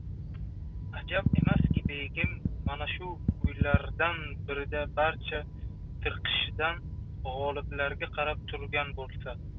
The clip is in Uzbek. ajab emaski begim mana shu uylardan birida darcha tirqishidan g'oliblarga qarab turgan bo'lsa